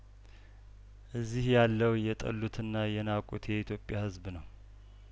እዚህ ያለው የጠሉትና የናቁት የኢትዮጵያ ህዝብ ነው